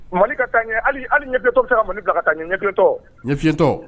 Mali ka ka ɲɛ hali hali ɲɛbilɛtɔ sera mali bila ka ɲɛfitɔ ɲɛfiyetɔ